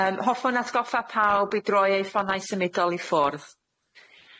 Yym hoffwn atgoffa pawb i droi eu ffonau symudol i ffwrdd.